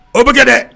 O be kɛ dɛ